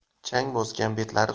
chang bosgan betlari